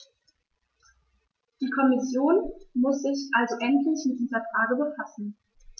Die Kommission muss sich also endlich mit dieser Frage befassen.